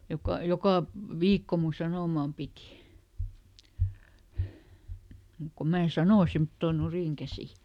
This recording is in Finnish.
joka joka viikko minun sanomani piti mutta kun minä sanoin semmottoon nurinkäsin